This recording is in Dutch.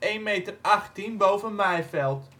1,18 meter boven maaiveld